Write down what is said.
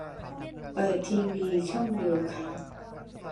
เปิดทีวีช่องโยคะ